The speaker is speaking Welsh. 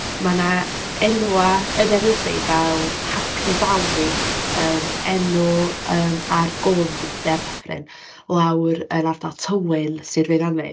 Ma' 'na enwau yn Eryri fel Happy Valley, yym enw ar gwm neu ar ddyffryn, lawr yn ardal Tywyn, sir Feirionydd.